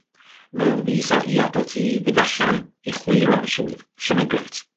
Mae o'n visa i adel ti fynd allan i chwilio am swydd so mae'n grêt.